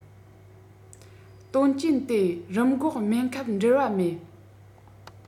དོན རྐྱེན དེ རིམས འགོག སྨན ཁབ འབྲེལ བ མེད